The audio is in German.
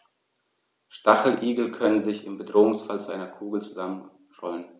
Stacheligel können sich im Bedrohungsfall zu einer Kugel zusammenrollen.